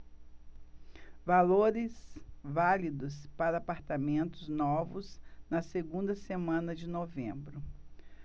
valores válidos para apartamentos novos na segunda semana de novembro